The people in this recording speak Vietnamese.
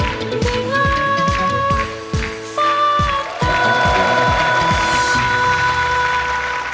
bình an phát tài